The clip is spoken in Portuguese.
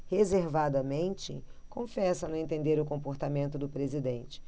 reservadamente confessa não entender o comportamento do presidente